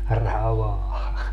ravaa